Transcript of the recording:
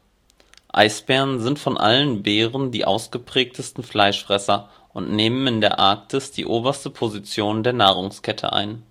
Eisbären sind von allen Bären die ausgeprägtesten Fleischfresser und nehmen in der Arktis die oberste Position der Nahrungskette ein